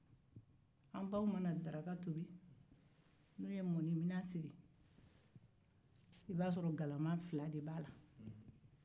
an baw mana daraka tobi n'u ye mɔniminɛn sigi i b'a sɔrɔ galama fila de b'a la